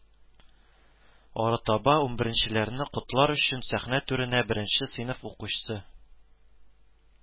Арытаба унберенчеләрне котлар өчен сәхнә түренә беренче сыйныф укучы